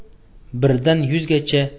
birdan yuzgacha